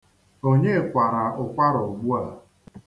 Onye kwara ụkwara ugbua?